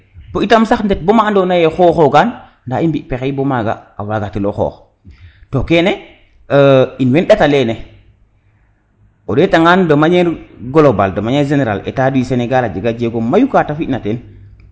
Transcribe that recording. bo itam sax i ndet boma ando naye xoxogan nda i mbi pexey bo maga a waga telo xoox to kene in way ndata lene o ndeta ngan de maniere globale de maniere generale Etat du senegal a jega jeego mayu ka te fina ten